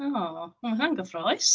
O! Ma' hwnna'n gyffrous!